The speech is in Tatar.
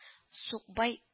– сукбай